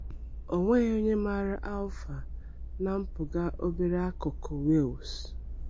"Ọ nweghị onye maara Alffa na mpụga obere akụkụ Wales.